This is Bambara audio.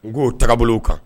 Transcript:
Ngo tagabolow kan.